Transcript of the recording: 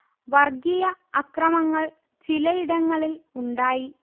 വർഗീയ അക്രമങ്ങൾ ചിലയിടങ്ങളിൽ ഉണ്ടായി